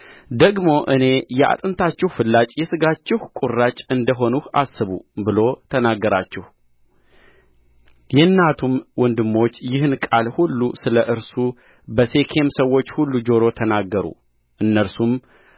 ደግሞ እኔ የአጥንታችሁ ፍላጭ የሥጋችሁ ቍራጭ እንደ ሆንሁ አስቡ ብሎ ተናገራቸው የእናቱም ወንድሞች ይህን ቃል ሁሉ ስለ እርሱ በሴኬም ሰዎች ሁሉ ጆሮ ተናገሩ እነርሱም